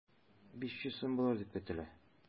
500 сум булыр дип көтелә.